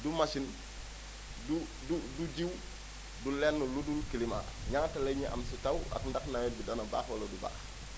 du machine du du jiwu du lenn lu dul climat ñaata la ñuy am si taw ak ndax nawet bi dana baax wala du baax